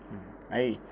ayii